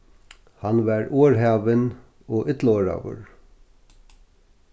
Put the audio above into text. hann var orðhavin og illorðaður